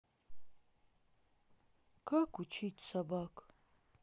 как учить собак